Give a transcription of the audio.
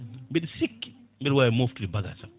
mbeɗe sikki mbiɗa wawi moftude bagage sam